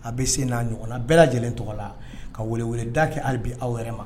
A B C n'a ɲɔgɔna bɛɛ lajɛlen tɔgɔ la ka weele weeleda kɛ hali bi aw yɛrɛ ma.